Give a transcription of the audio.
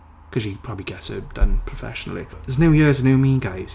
Because she probably get hers done professionally. There's new years new me guys.